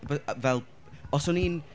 b- fel, os o'n i'n...